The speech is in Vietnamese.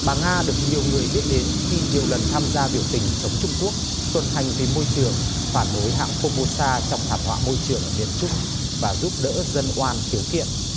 bà nga được nhiều người biết đến khi nhiều lần tham gia biểu tình chống trung quốc tuần hành vì môi trường phản đối hãng pho mô sa trong thảm họa môi trường ở miền trung và giúp đỡ dân oan khiếu kiện